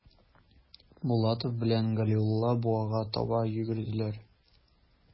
Булатов белән Галиулла буага таба йөгерделәр.